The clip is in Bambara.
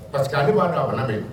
Parce que ale b'a to a fana min